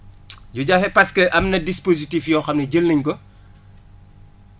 du jafe parce que am na dispositif yoo xam ne jël nañ ko